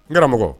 N karamɔgɔ